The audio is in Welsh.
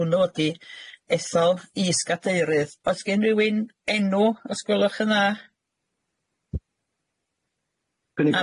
hwnnw ydi ethol is-gadeirydd oes gen rywun enw os gwelwch yn dda?